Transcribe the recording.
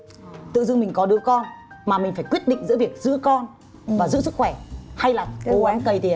tự dưng mình có đứa con mà mình phải quyết định giữa việc giữ con mà giữ sức khỏe hay là cố gắng cầy tiền